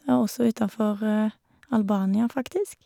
Og også utafor Albania, faktisk.